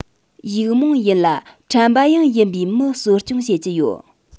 ཡིག རྨོངས ཡིན ལ ཁྲམ པ ཡང ཡིན པའི མི གསོ སྐྱོང བྱེད ཀྱི ཡོད